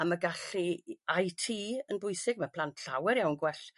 Am y gallu IT yn bwysig ma' plant llawer iawn gwell